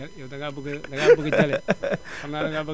yow dangaa bëgg daangaa bëgg dangaa bëgg Jalle xanaa dangaa bëgg